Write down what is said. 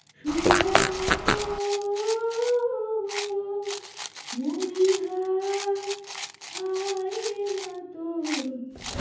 সুধার মতো মরিহায় হায়রে মা তোর